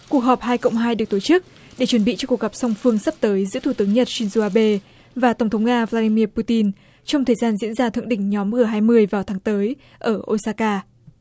cuộc họp hai cộng hai được tổ chức để chuẩn bị cho cuộc gặp song phương sắp tới giữa thủ tướng nhật sin rô a bê và tổng thống nga vờ la đi mi pu tin trong thời gian diễn ra thượng đỉnh nhóm gờ hai mươi vào tháng tới ở ô sa ka